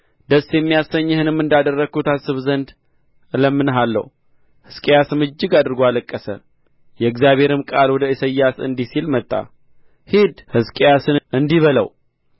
ደስ የሚያሰኝህንም እንዳደረግሁ ታስብ ዘንድ እለምንሃለሁ ሕዝቅያስም እጅግ አድርጎ አለቀሰ የእግዚአብሔርም ቃል ወደ ኢሳይያስ እንዲህ ሲል መጣ ሂድ ሕዝቅያስን እንዲህ በለው